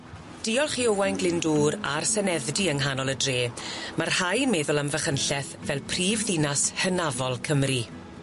Diolch i Owain Glyndŵr a'r Senedd-dŷ yng nghanol y dre ma' rhai yn meddwl am Fachynlleth fel prifddinas hynafol Cymru.